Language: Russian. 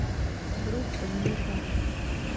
группа ника